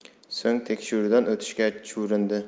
so'nggi tekshiruvdan o'tishgach chuvrindi